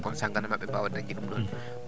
on saang mooɓe mbaw gadam maɓɓe ɓe mbawa dañde ɗum ɗon